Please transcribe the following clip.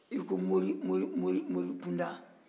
i ko mori mori mori kunda